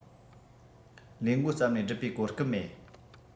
ལས མགོ བརྩམས ནས བསྒྲུབས པའི གོ སྐབས མེད